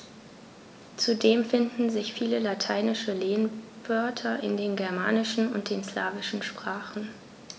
Zudem finden sich viele lateinische Lehnwörter in den germanischen und den slawischen Sprachen.